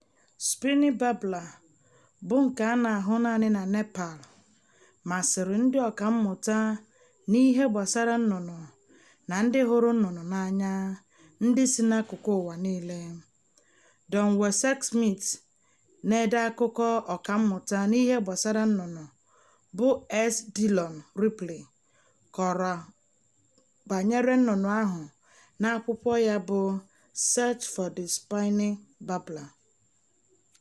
Spiny Babbler, bụ nke a na-ahụ naanị na Nepal, masịrị ndị ọkammụta n'ihe gbasara nnụnụ na ndị hụrụ nnụnụ n'anya ndị si n'akụkụ ụwa niile. Don Messerschmidt na-ede akụkọ ọkammụta n'ihe gbasara nnụnụ bụ S. Dillon Ripley kọrọ banyere nnụnụ ahụ n'akwụkwọ ya bụ Search for the Spiny Babbler: